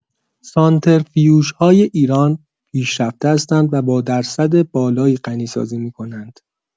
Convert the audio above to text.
سانترفیوژهای ایران پیشرفته هستند و با درصد بالایی غنی‌سازی می‌کنند.